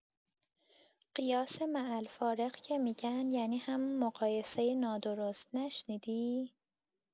قیاس مع‌الفارق که می‌گن یعنی همون مقایسه نادرست، نشنیدی؟